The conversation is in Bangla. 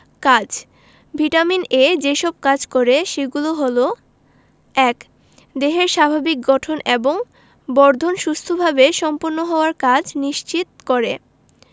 কাজ ভিটামিন এ যেসব কাজ করে সেগুলো হলো ১ দেহের স্বাভাবিক গঠন এবং বর্ধন সুষ্ঠুভাবে সম্পন্ন হওয়ার কাজ নিশ্চিত করে